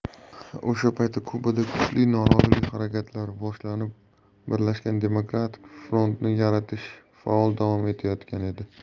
o'sha paytda kubada kuchli norozilik harakatlari boshlanib birlashgan demokratik frontni yaratish faol davom etayotgan edi